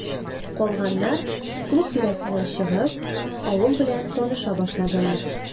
Калганнар, клуб тирәсенә чыгып, авыл белән таныша башладылар.